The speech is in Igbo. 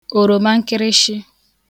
òròmankịrịshị